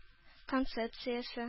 Концепциясе